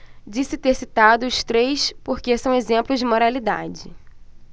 disse ter citado os três porque são exemplos de moralidade